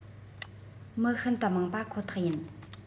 མི ཤིན ཏུ མང པ ཁོ ཐག ཡིན